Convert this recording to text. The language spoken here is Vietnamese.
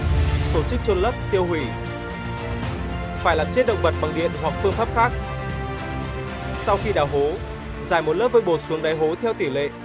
tổ chức chôn lấp tiêu hủy phải chết động vật bằng điện hoặc phương pháp khác sau khi đào hố rải một lớp vôi bột xuống đáy hố theo tỉ lệ